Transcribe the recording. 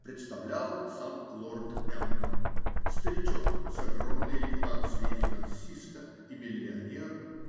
Представлял сам лорд М. , старичок с огромной репутацией финансиста и миллионер.